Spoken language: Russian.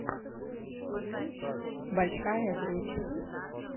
большая грудь